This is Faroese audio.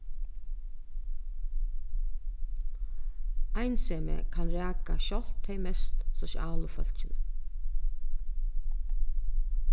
einsemi kann raka sjálvt tey mest sosialu fólkini